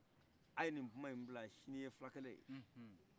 aye ni kumain bila yan sini ye fila kɛlɛye